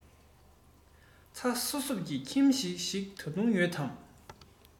ཚ སོབ སོབ ཀྱི ཁྱིམ གཞིས ཤིག ད དུང ཡོད དམ